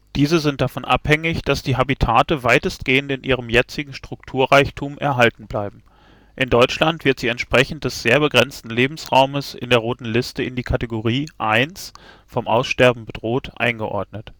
Diese sind davon abhängig, dass die Habitate weitgehend in ihrem jetzigen Strukturreichtum erhalten bleiben. In Deutschland wird sie entsprechend des sehr begrenzten Lebensraumes in der Roten Liste in die Kategorie 1 – vom Aussterben bedroht – eingeordnet